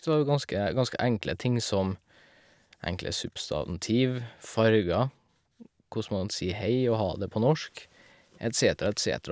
Det var jo ganske ganske enkle ting, som enkle substantiv, farger, koss man sier hei og hadet på norsk, et cetera et cetera.